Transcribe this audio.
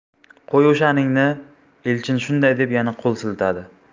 qo'y o'shaningni elchin shunday deb yana qo'l siltadi